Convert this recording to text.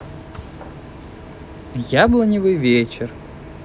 яблоневый вечер